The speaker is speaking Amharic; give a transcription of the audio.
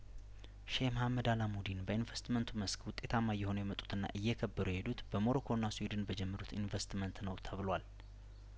ሼህ መሀመድ አላሙዲን በኢንቨስትመንቱ መስክ ውጤታማ እየሆኑ የመጡትና እየከበሩ የሄዱት በሞሮኮና ስዊድን በጀመሩት ኢንቨስትመንት ነው ተብሏል